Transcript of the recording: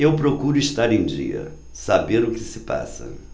eu procuro estar em dia saber o que se passa